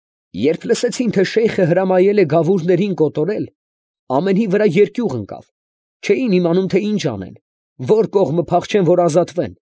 Երբ լսեցին, թե Շեյխը հրամայել է գավուրներին կոտորել, ամենի վրա երկյուղ ընկավ, չէին իմանում, թե ինչ անեն, ո՜ր կողմը փախչեն, որ ազատվեն։